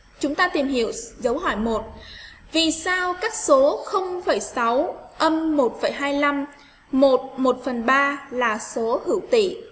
chúng ta tìm hiểu dấu hỏi vì sao các số là số hữu tỉ